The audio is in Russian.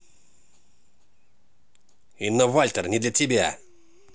инна вальтер не для тебя